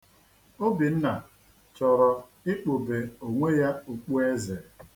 Obinna chọrọ ikpube onwe ya okpu eze.